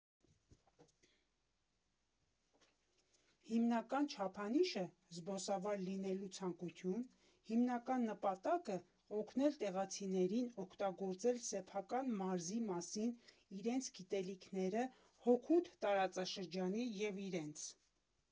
Հիմնական չափանիշը՝ զբոսավար լինելու ցանկություն, հիմնական նպատակը՝ օգնել տեղացիներին օգտագործել սեփական մարզի մասին իրենց գիտելիքները հօգուտ տարածաշրջանի և իրենց։